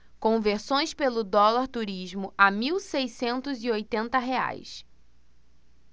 conversões pelo dólar turismo a mil seiscentos e oitenta reais